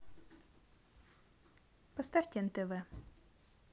поставьте нтв